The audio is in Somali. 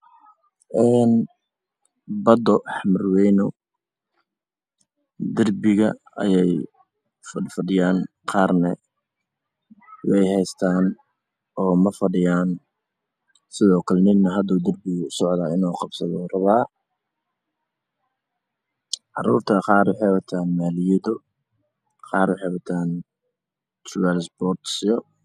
Waxaa ii muuqda wiilal yar yar oo daawana biyaha badda waxa ayna ku fadhiyeen jirdiin waxaa agtagan nin weyn oo wato shaar guduudan iyo surwaal madow